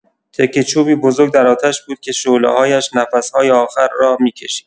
تکه‌چوبی بزرگ در آتش بود که شعله‌هایش نفس‌های آخر را می‌کشید.